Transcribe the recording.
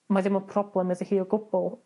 Mae ddim yn problem iddi hi o gwbwl